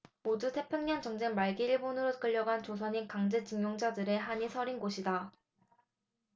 모두 태평양전쟁 말기 일본으로 끌려간 조선인 강제징용자들의 한이 서린 곳이다